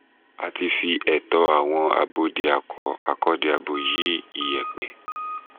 A ti fi ẹ̀tọ́ àwọn abódiakọ-akọ́diabo yí iyẹ̀pẹ̀.